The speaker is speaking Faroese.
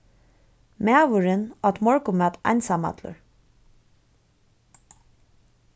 maðurin át morgunmat einsamallur